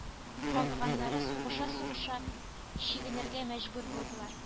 Калганнары сугыша-сугыша чигенергә мәҗбүр булдылар